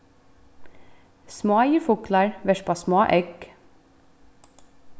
smáir fuglar verpa smá egg